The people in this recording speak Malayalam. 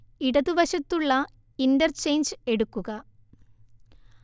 ഇടതുവശത്തുള്ള ഇന്റർചെയ്ഞ്ച് എടുക്കുക